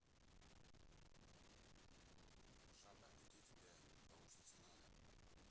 жаба где тебя поучиться надо